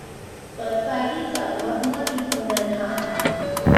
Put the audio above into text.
เปิดไฟที่จอดรถเมื่อมีคนเดินผ่าน